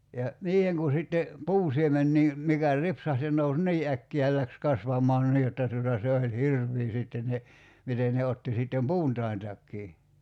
ja niihin kun sitten puunsiemeniä mikä ripsahti se nousi niin äkkiä ja lähti kasvamaan niin jotta tuota se oli hirveä sitten ne miten ne otti sitten puuntaintakin